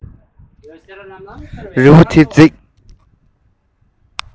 རི བོ འདིའི རྩེ མོ